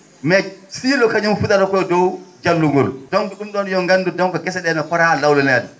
mais siilo kañum fu?ata ko he dow jallungol donc ?um ?on yo on nganndu donc gese ?ee no poraa lawlineede